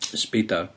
Y sbeidar,